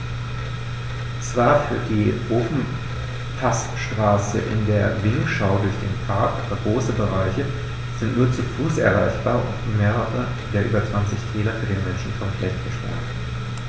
Zwar führt die Ofenpassstraße in den Vinschgau durch den Park, aber große Bereiche sind nur zu Fuß erreichbar und mehrere der über 20 Täler für den Menschen komplett gesperrt.